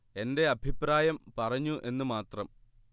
എന്റെ അഭിപ്രായം പറഞ്ഞു എന്നു മാത്രം